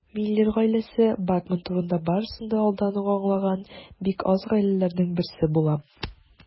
Миллер гаиләсе Бакман турында барысын да алдан ук аңлаган бик аз гаиләләрнең берсе була.